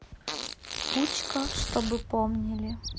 пучков чтобы помнили